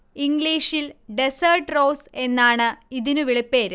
ഇംഗ്ലീഷിൽ 'desert rose' എന്നാണ് ഇതിനു വിളിപ്പേര്